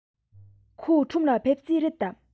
ཁོ ཁྲོམ ལ ཕེབས རྩིས རེད དམ